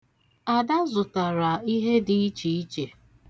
Ada zụtara ihe dị ichiiche.